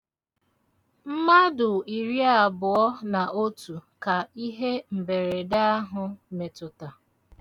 Mmadụ iriabụọ na otu ka ihe mberede ahụ metuta.